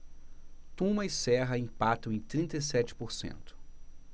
tuma e serra empatam em trinta e sete por cento